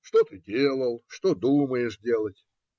Что ты делал, что думаешь делать?